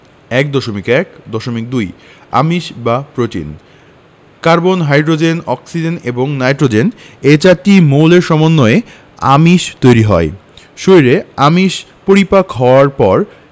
১.১.২ আমিষ বা protein carbon hydrogen oxygen এবং নাইট্রোজেন এ চারটি মৌলের সমন্বয়ে আমিষ তৈরি হয় শরীরে আমিষ পরিপাক হওয়ার পর